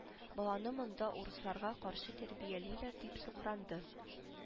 Баланы монда урысларга каршы тәрбиялиләр дип сукранды